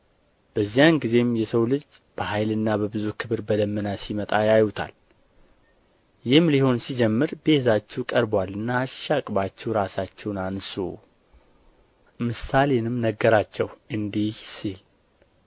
በዚያን ጊዜም የሰው ልጅ በኃይልና በብዙ ክብር በደመና ሲመጣ ያዩታል ይህም ሊሆን ሲጀምር ቤዛችሁ ቀርቦአልና አሻቅባችሁ ራሳችሁን አንሡ ምሳሌንም ነገራቸው እንዲህ ሲል